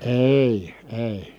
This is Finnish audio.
ei ei